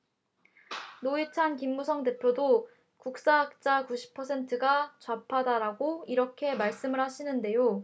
노회찬 김무성 대표도 국사학자 구십 퍼센트가 좌파다라고 이렇게 말씀을 하시는데요